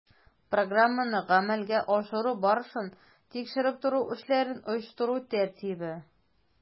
Программаны гамәлгә ашыру барышын тикшереп тору эшләрен оештыру тәртибе